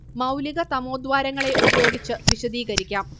മൗലികതമോദ്വാരങ്ങളെ ഉപയോഗിച്ച് വിശദീകരിക്കാം